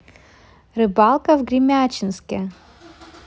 рыбалка в гремячинске